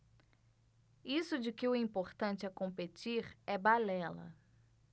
isso de que o importante é competir é balela